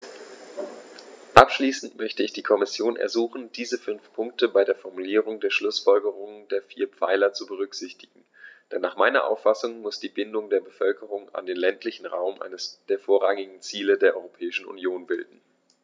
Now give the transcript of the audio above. Abschließend möchte ich die Kommission ersuchen, diese fünf Punkte bei der Formulierung der Schlußfolgerungen der vier Pfeiler zu berücksichtigen, denn nach meiner Auffassung muss die Bindung der Bevölkerung an den ländlichen Raum eines der vorrangigen Ziele der Europäischen Union bilden.